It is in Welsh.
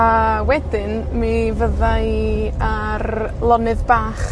...a wedyn mi fydda i ar lonydd bach.